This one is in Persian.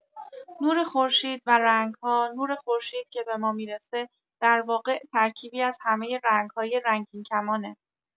نور خورشید و رنگ‌ها نور خورشید که به ما می‌رسه، در واقع ترکیبی از همه رنگ‌های رنگین‌کمانه.